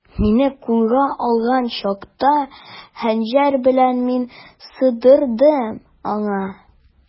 Мине кулга алган чакта, хәнҗәр белән мин сыдырдым аңа.